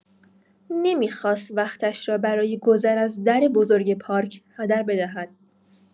نمی‌خواست وقتش را برای گذر از در بزرگ پارک هدر بدهد.